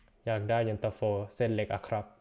อยากได้เย็นตาโฟเส้นเล็กอะครับ